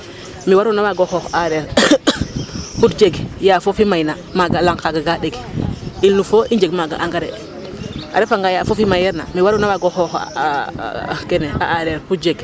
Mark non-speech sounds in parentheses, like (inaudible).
Me waroona waag o xoox aareer (coughs) pour jeg ya foofi mayna magaa lang kaaga ka ɗeg il faut i njeg maaga engrais a refanga ya foofi mayeerna me waroona waago xoox (hesitation) kene a aareer.